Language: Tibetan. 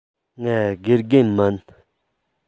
ང དགེ རྒན མིན